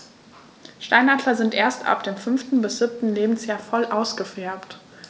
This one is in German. Steinadler sind erst ab dem 5. bis 7. Lebensjahr voll ausgefärbt.